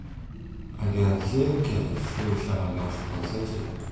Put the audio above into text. agar chi uka shu ish amalga oshib qolsa chi